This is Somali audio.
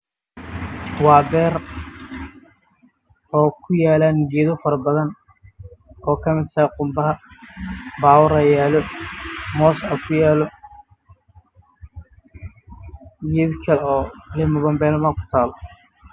Waa beer ay ku yaalaan geedo farabadan oo ay ka mid tahay qumbaha geedaha karkooduna waa cagaar